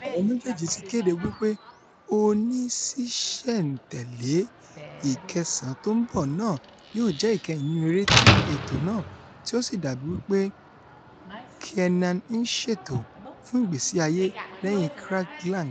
Àwọn méjèèjì ti kédé wí pé oníṣíṣẹ̀-n-tẹ̀lé ìkẹẹ̀sán tó ńbọ náà yóò jẹ́ ìkẹyìn nínú eré ti ètò náà, tí o sì dàbí wí pé Kiernan ńṣètò fún ìgbésí-ayé lẹ́yìn Craiglang.